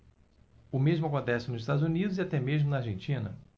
o mesmo acontece nos estados unidos e até mesmo na argentina